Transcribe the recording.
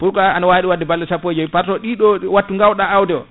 pourquoi aɗa wawin wadde ɗum balɗe sappo e joyyi par ce ɗiɗo wattu gawɗa awdi o